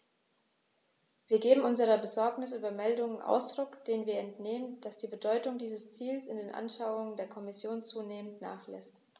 Wir geben unserer Besorgnis über Meldungen Ausdruck, denen wir entnehmen, dass die Bedeutung dieses Ziels in den Anschauungen der Kommission zunehmend nachlässt.